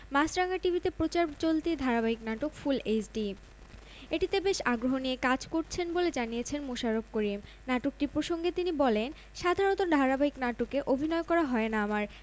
মাছরাঙা টিভিতে প্রচার চলতি ধারাবাহিক নাটক ফুল এইচডি এটিতে বেশ আগ্রহ নিয়ে কাজ করছেন বলে জানিয়েছেন মোশাররফ করিম নাটকটি প্রসঙ্গে তিনি বলেন সাধারণত ধারাবাহিক নাটকে অভিনয় করা হয় না আমার